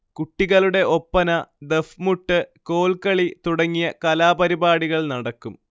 കുട്ടികളുടെ ഒപ്പന, ദഫ്മുട്ട്, കോൽകളി തുടങ്ങിയ കലാപരിപാടികൾ നടക്കും